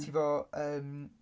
Ti efo yym...